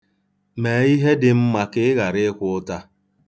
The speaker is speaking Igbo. Mee ihe dị mma ka ị ghara ịkwa ụta.